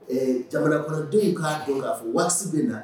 Ɛɛ jamana kɔnɔdenw in k'a jɔ'a fɔ waati bɛ na